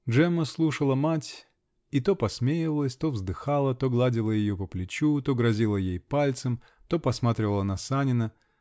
Джемма слушала мать -- и то посмеивалась, то вздыхала, то гладила ее по плечу, то грозила ей пальцем, то посматривала на Санина